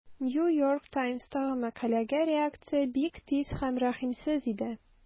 New York Times'тагы мәкаләгә реакция бик тиз һәм рәхимсез иде.